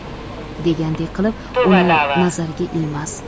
degandek qilib uni nazariga ilmas